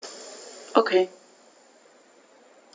Okay.